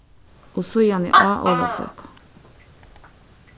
og síðani á ólavsøku